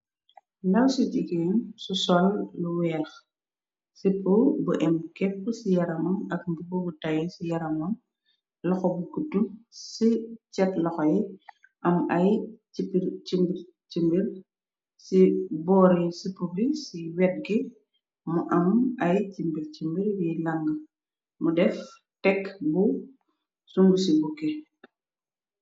Nawsu jigeen su sol lu weex sipu bu im képp ci yaramam ak mbubo bu tayu ci yaramon loxo bu kutu ci cet loxo yi am ay ci mbir ci boori sipu bi ci wetge mu am ay ci mbir ci mbir yiy làng mu def tekk bu sungu ci bukke.